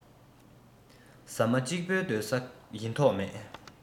ཟ མ གཅིག པོའི སྡོད ས ཡིན མདོག མེད